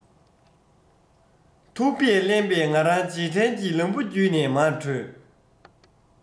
ཐུག པས བརླན པའི ང རང རྗེས དྲན གྱི ལམ བུ བརྒྱུད ནས མར བྲོས